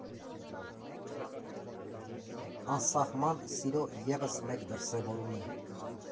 Անսահման սիրո ևս մեկ դրսևորում է։